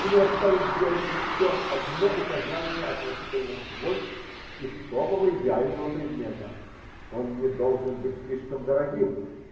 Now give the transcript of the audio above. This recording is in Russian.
Мне осталось сделать еще одно указание относительно свойств искомого идеального предмета: он не должен быть слишком дорогим.